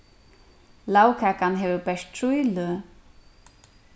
lagkakan hevur bert trý løg